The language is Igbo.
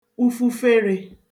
ufuferē